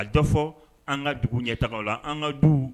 A da fɔ an ka dugu ɲɛtagaw la an ka duw